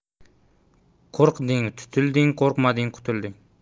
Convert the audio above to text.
qo'rqding tutilding qo'rqmading qutulding